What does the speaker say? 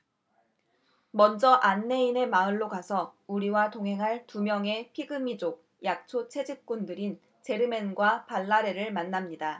먼저 안내인의 마을로 가서 우리와 동행할 두 명의 피그미족 약초 채집꾼들인 제르멘과 발라레를 만납니다